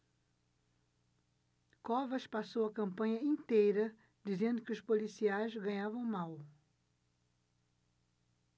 covas passou a campanha inteira dizendo que os policiais ganhavam mal